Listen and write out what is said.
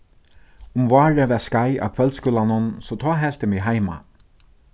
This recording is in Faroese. um várið var skeið á kvøldskúlanum so tá helt eg meg heima